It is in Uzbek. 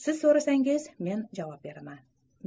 siz so'rasangiz men javob beraman